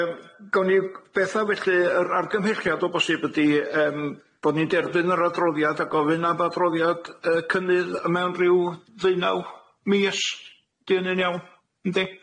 Yy gawn ni beth 'na felly yr argymhelliad o bosib ydi yym bo' ni'n derbyn yr adroddiad a gofyn am adroddiad yy cynnydd yy mewn ryw ddeunaw, mis, 'di hynny'n iawn yndi?